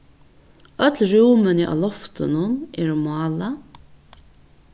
øll rúmini á loftinum eru málað